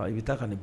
A i bɛ taa ka nin